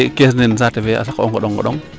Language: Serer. meke caisse ne saate fe a saqa o ngondo ngondo